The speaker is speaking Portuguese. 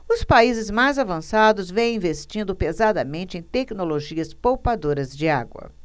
os países mais avançados vêm investindo pesadamente em tecnologias poupadoras de água